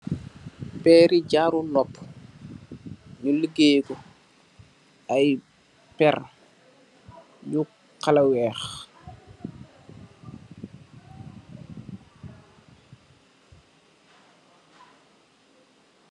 Perri jaru nopu nyu legey yi ku aye perr yu khala weex